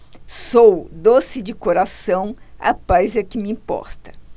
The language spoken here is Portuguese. sou doce de coração a paz é que me importa